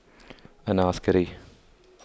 إنا عسكري